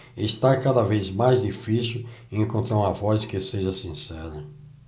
está cada vez mais difícil encontrar uma voz que seja sincera